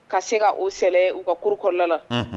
Ka se ka o sɛlɛ u ka kuru kɔnɔna na